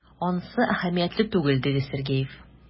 Ансы әһәмиятле түгел,— диде Сергеев.